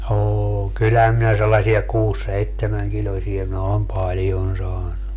on kyllähän minä sellaisia kuusi seitsemänkiloisia minä olen paljon saanut